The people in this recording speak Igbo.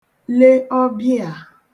le ọbị̀à